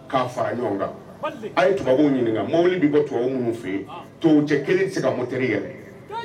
K' fara ɲɔgɔn kan a ye tubabu ɲini maawbili' bɔ tubabu minnu fɛ yen tobabu cɛ kelen tɛ se ka mun teri ye